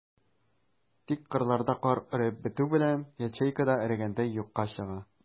Тик кырларда кар эреп бетү белән, ячейка да эрегәндәй юкка чыга.